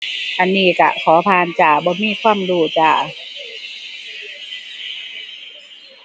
อันนี้ก็ขอผ่านจ้า บ่มีความรู้จ้า